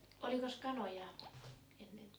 olikos kanoja ennen